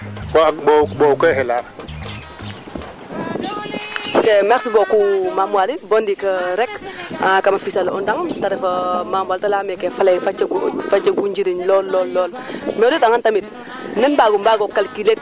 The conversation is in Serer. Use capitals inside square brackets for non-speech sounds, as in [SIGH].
kaagu refu armée badole no ndiing ne ɓaax tamba laɓ gombi kaaga refu armée ndiing kaaga ndiinga jal tel [UNINTELLIGIBLE] tate xelaar bo i leya ndalfo ngooxa